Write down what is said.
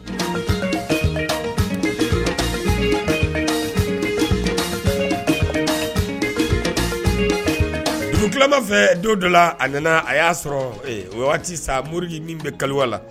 , dugu tilamanfɛ don dɔ la a nana, a y’a sɔrɔ, e o waati sa Mori ni ni bɛ kaliwa la.